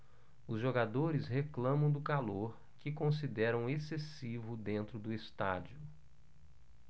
os jogadores reclamam do calor que consideram excessivo dentro do estádio